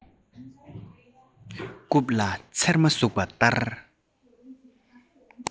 རྐུབ ལ ཚེར མ ཟུག པ ལྟར